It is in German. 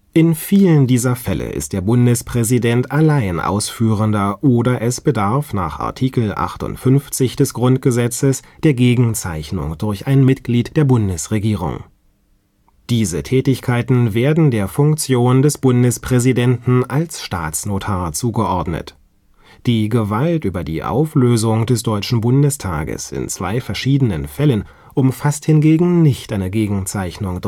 In vielen dieser Fälle ist der Bundespräsident allein Ausführender oder es bedarf nach Art. 58 des Grundgesetzes der Gegenzeichnung durch ein Mitglied der Bundesregierung. Diese Tätigkeiten werden der Funktion des Bundespräsidenten als Staatsnotar zugeordnet. Die Gewalt über die Auflösung des Deutschen Bundestages in zwei verschiedenen Fällen umfasst hingegen nicht eine Gegenzeichnung